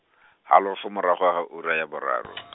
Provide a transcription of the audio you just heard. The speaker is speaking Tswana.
halofo marago ga ura ya boraro.